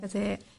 Ydi.